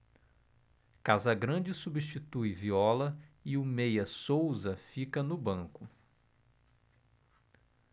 casagrande substitui viola e o meia souza fica no banco